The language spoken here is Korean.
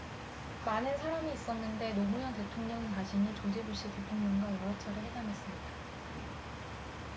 많은 사람이 있었는데 노무현 대통령 자신이 조지 부시 대통령과 여러 차례 회담했습니다